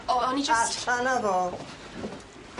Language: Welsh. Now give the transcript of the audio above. O o'n i jyst-... Allan a fo.